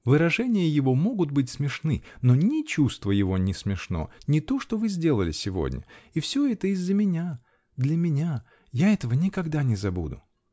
-- Выражения его могут быть смешны, но ни чувство его не смешно, ни то, что вы сделали сегодня. И все это из-за меня. для меня. Я этого никогда не забуду.